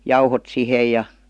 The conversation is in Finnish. jauhot siihen ja